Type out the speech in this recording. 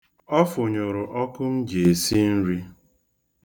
Ọ fụnyụrụ ọkụ m ji e si nri